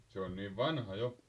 se on niin vanha jo